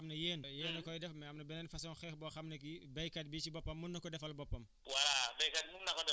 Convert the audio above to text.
am na ñari façons xeex boo xam ne yéen rek yéen a koy def mais am na beneen façon xeex boo xam ne bi béykat bi ci boppam mun na ko defal boppam